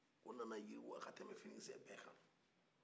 o nana yiriwa ka tɛmɛ finikisɛ bɛɛ kan